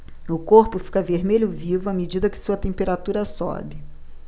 o corpo fica vermelho vivo à medida que sua temperatura sobe